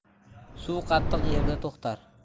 suv qattiq yerda to'xtar